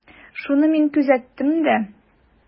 Шуны мин күзәттем дә.